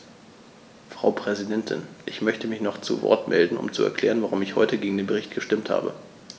Frau Präsidentin, ich möchte mich zu Wort melden, um zu erklären, warum ich heute gegen den Bericht gestimmt habe.